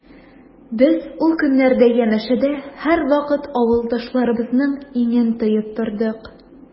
Без ул көннәрдә янәшәдә һәрвакыт авылдашларыбызның иңен тоеп тордык.